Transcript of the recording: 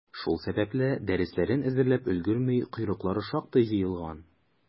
Шул сәбәпле, дәресләрен әзерләп өлгерми, «койрыклары» шактый җыелган.